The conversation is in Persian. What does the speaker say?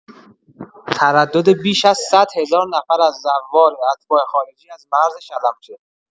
تردد بیش از صدهزار نفر از زوار اتباع خارجی از مرز شلمچه